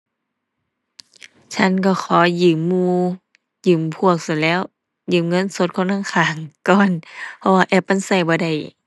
ฉันก็ขอยืมหมู่ ยืมพวกซั้นแหล้ว ยืมเงินสดคนข้างข้างก่อน เพราะว่าแอปมันก็บ่ได้